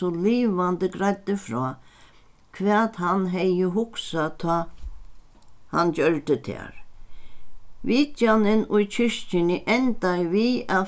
so livandi greiddi frá hvat hann hevði hugsað tá hann gjørdi tær vitjanin í kirkjuni endaði við at